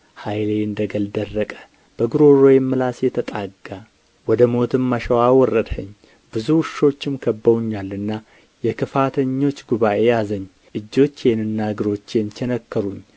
ኃይሌ እንደ ገል ደረቀ በጕሮሮዬም ምላሴ ተጣጋ ወደ ሞትም አሸዋ አወረድኸኝ ብዙ ውሾች ከብበውኛልና የክፋተኞች ጉባኤም ያዘኝ እጆቼንና እግሮቼን ቸነከሩኝ